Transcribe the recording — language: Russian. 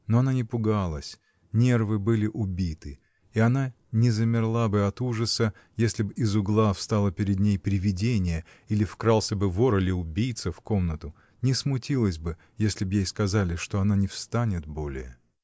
Но она не пугалась: нервы были убиты, и она не замерла бы от ужаса, если б из угла встало перед ней привидение, или вкрался бы вор или убийца в комнату, не смутилась бы, если б ей сказали, что она не встанет более.